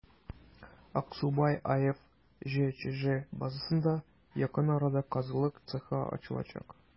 «аксубай» аф» җчҗ базасында якын арада казылык цехы ачылачак.